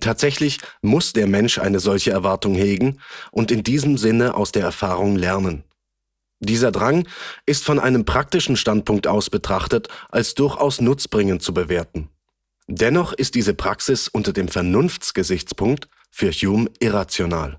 Tatsächlich muss der Mensch eine solche Erwartung hegen und in diesem Sinne aus der Erfahrung lernen. Dieser Drang ist von einem praktischen Standpunkt aus betrachtet als durchaus nutzbringend zu bewerten. Dennoch ist diese Praxis unter dem Vernunftsgesichtspunkt für Hume irrational